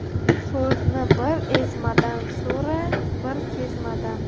so'zni bir ezmadan so'ra bir kezmadan